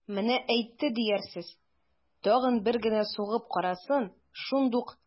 Менә әйтте диярсез, тагын бер генә сугып карасын, шундук...